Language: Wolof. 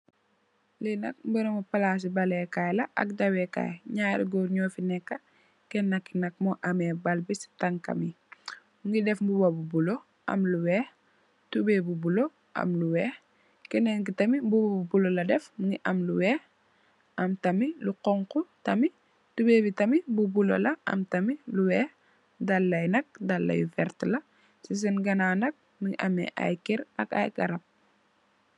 Li nak berembi palaci foobaal le kai ak dawe kai naari goor nyu fi neka Kenna ki nak mo ame baal bi si tanka bi mogi def mbuba bu bulu am lu weex tubay bu bulo ak lu weex kanen ki tamit mbuba bu bulo la def mogi am lu weex am tamit lu xonxu tamit tubay bi tamit bu bulo la ak tamit lu weex daalai nak dala yu werta la si sen ganaw nak mogi ame ay keur ak ay garab.